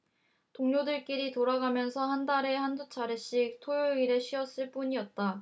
동료들끼리 돌아가면서 한 달에 한 두 차례씩 토요일에 쉬었을 뿐이었다